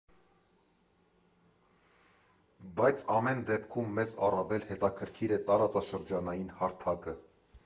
Բայց ամեն դեպքում, մեզ առավել հետաքրքիր է տարածաշրջանային հարթակը։